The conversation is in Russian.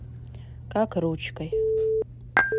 как ручкой